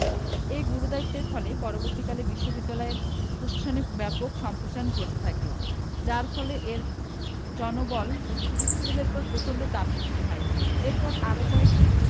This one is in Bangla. এ গুরুদায়িত্বের ফলে পরবর্তীকালে বিশ্ববিদ্যালয় প্রশাসনে ব্যাপক সম্প্রসারণ ঘটতে থাকে যার ফলে এর জনবল ও সুযোগ সুবিধার ওপর প্রচন্ড চাপ সৃষ্টি হয় এরপর আরও কয়েকটি